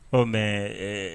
Ɔ mɛ